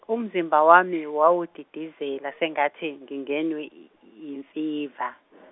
umzimba wami wawudidizela sengathi ngingenwe i- i- imfiva .